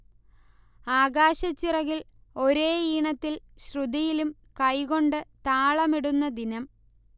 ആകാശച്ചിറകിൽ ഒരേ ഈണത്തിൽ ശ്രുതിയിലും കൈകൊണ്ട് താളമിടുന്ന ദിനം